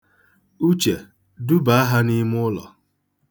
Uche, dubaa ha n'ime ụlọ.